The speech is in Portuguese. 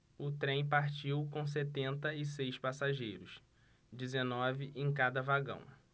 o trem partiu com setenta e seis passageiros dezenove em cada vagão